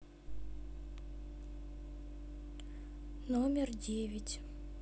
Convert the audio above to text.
номер десять